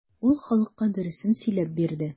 Ул халыкка дөресен сөйләп бирде.